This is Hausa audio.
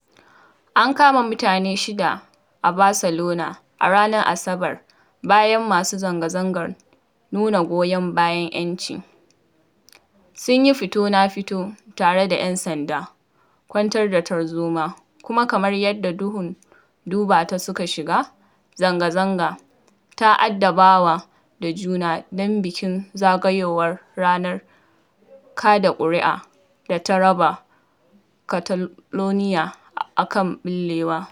An kama mutane shida a Barcelona a ranar Asabar bayan masu zanga-zangar nuna goyon bayan ‘yanci sun yi fito-na-fito tare da ‘yan sandan kwantar da tarzoma, kuma kamar yadda dubun-dubata suka shiga zanga-zanga ta adawa da juna don bikin zagayowar ranar kaɗa ƙuri’a da ta raba Catalonia a kan ɓallewa.